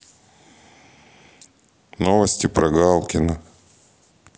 новости про галкина